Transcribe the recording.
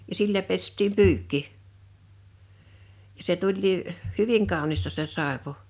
ja sillä pestiin pyykki ja se tulikin hyvin kaunista se saippua